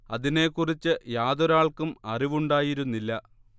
അതിനെക്കുറിച്ച് യാതൊരാൾക്കും അറിവുണ്ടായിരുന്നില്ല